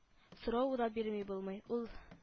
Соравы да бирми булмый ул: